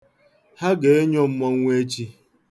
Ha ga-enyo mmọnwụ echi.